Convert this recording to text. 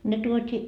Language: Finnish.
ne tuotiin